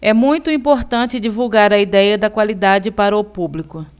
é muito importante divulgar a idéia da qualidade para o público